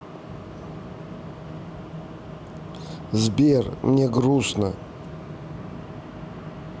сбер мне грустно